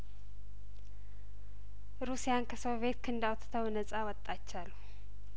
ሩሲያን ከሶቪየት ክንድ አውጥተው ነጻ ወጣች አሉ